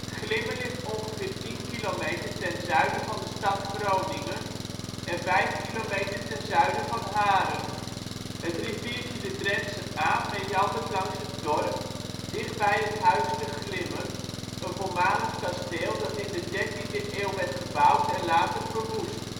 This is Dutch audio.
Glimmen ligt ongeveer tien kilometer ten zuiden van de stad Groningen en vijf kilometer ten zuiden van Haren. Het riviertje de Drentsche Aa meandert langs het dorp, dichtbij het Huis te Glimmen, een voormalig kasteel dat in de dertiende eeuw werd gebouwd en later verwoest